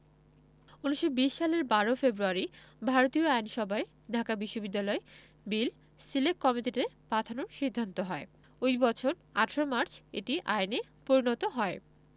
১৯২০ সালের ১২ ফেব্রুয়ারি ভারতীয় আইনসভায় ঢাকা বিশ্ববিদ্যালয় বিল সিলেক কমিটিতে পাঠানোর সিদ্ধান্ত হয় ওই বছর ১৮ মার্চ এটি আইনে পরিণত হয়